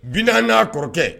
Bi n'a kɔrɔkɛ